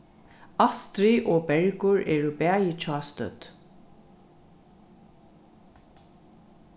astrið og bergur eru bæði hjástødd